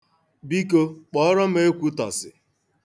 Biko, kpọọrọ Ekwutọsị.